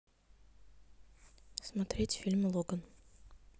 смотреть фильм логан